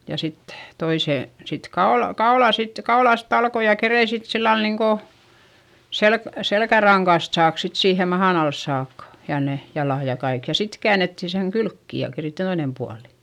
ja sitten toisen sitten kaula kaulaa sitten kaulasta aloin ja keritsin sitten sillä lailla niin kuin - selkärangasta saakka sitten siihen mahan alle saakka ja ne jalat ja kaikki ja sitten käännettiin sen kylki ja keritsi toinen puoli